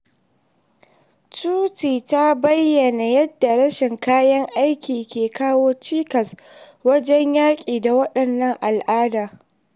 Chutni ta bayyana yadda rashin kayan aiki ke kawo cikas wajen yaƙi da wannan al'ada.